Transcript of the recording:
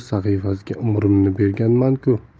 sahifasiga umrimni berganmanku